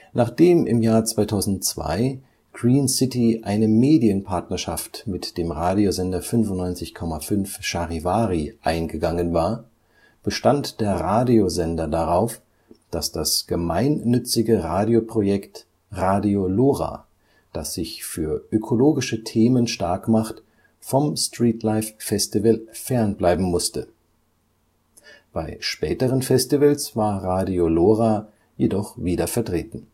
Nachdem im Jahr 2002 Green City eine Medienpartnerschaft mit dem Radiosender 95.5 Charivari eingegangen war, bestand der Radiosender darauf, dass das gemeinnützige Radioprojekt Radio Lora, das sich für ökologische Themen stark macht, vom Streetlife Festival fernbleiben musste. Bei späteren Festivals war Radio Lora jedoch wieder vertreten